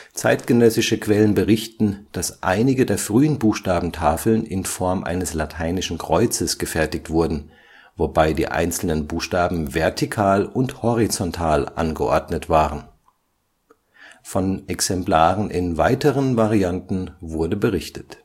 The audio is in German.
Zeitgenössische Quellen berichten, dass einige der frühen Buchstabentafeln in Form eines lateinischen Kreuzes gefertigt wurden, wobei die einzelnen Buchstaben vertikal und horizontal angeordnet waren. Von Exemplaren in weiteren Varianten wurde berichtet